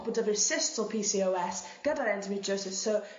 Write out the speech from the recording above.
bo' 'dy fi'r cysts o Pee See Owe Ess gyda'r endometriosis so